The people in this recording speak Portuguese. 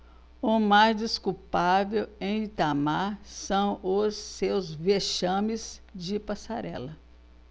o mais desculpável em itamar são os seus vexames de passarela